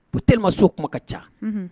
Ko tellement so kuma ka ca, unhun.